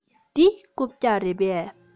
འདི རྐུབ བཀྱག རེད པས